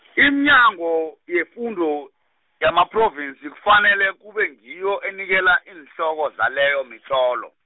iminyango yefundo, yamaPhrovinsi kufanele kube ngiyo enikela iinhloko zaleyo mitlolo.